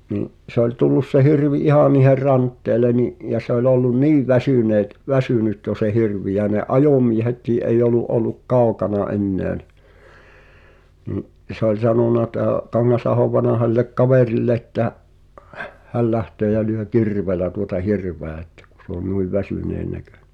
niin se oli tullut se hirvi ihan niiden rantteelle niin ja se oli ollut niin väsyneet väsynyt jo se hirvi ja ne ajomiehetkin ei ollut ollut kaukana enää niin niin se oli sanonut tämä Kangasahon vanha sille kaverille että hän lähtee ja lyö kirveellä tuota hirveä että kun se on noin väsyneen näköinen